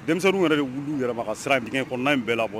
Denmisɛnnin yɛrɛ bɛ wu yɛrɛba ka sira tigɛ in kɔnɔ n in bɛɛ la bɔ